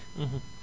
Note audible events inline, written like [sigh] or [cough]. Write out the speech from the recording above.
[hesitation] [hesitation]